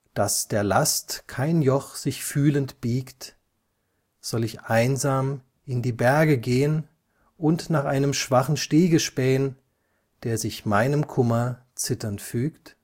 Daß der Last kein Joch sich fühlend biegt; Soll ich einsam in die Berge gehen Und nach einem schwachen Stege spähen, Der sich meinem Kummer zitternd fügt